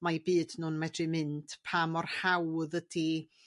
mae 'u byd nw'n medru mynd, pa mor hawdd ydy